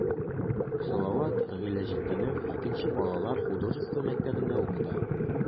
Салават Гыйләҗетдинов 2 нче балалар художество мәктәбендә укыта.